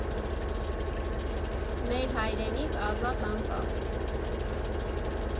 Մեր հայրենիք, ազատ անկախ։